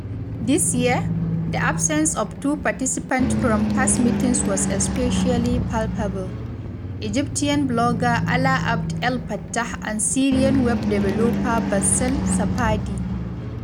This year, the absence of two participants from past meetings was especially palpable: Egyptian blogger Alaa Abd El Fattah and Syrian web developer Bassel Safadi.